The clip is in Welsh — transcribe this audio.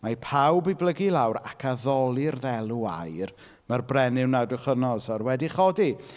Mae pawb i blygu i lawr ac addoli'r ddelw aur mae'r brenin Nebiwchadynosor wedi'i chodi.